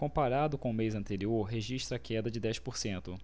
comparado com o mês anterior registra queda de dez por cento